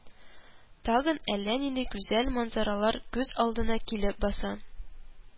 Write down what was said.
Тагын әллә нинди гүзәл манзаралар күз алдына килеп баса